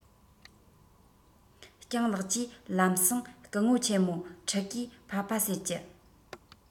སྤྱང ལགས ཀྱིས ལམ སེང སྐུ ངོ ཆེན མོ ཕྲུ གུས པྰ ཕ ཟེར གྱིས